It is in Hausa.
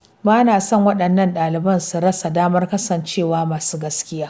Ba na son waɗannan ɗaliban su rasa damar kasancewa masu gaskiya.